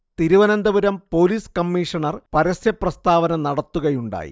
Thiruvananthapuram police commissioner പരസ്യപ്രസ്താവന നടത്തുകയുണ്ടായി